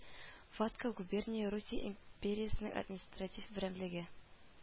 Ватка губерния Русия империясенең административ берәмлеге